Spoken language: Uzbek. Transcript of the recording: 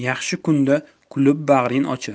yaxshi kunda kulib bag'rin ochar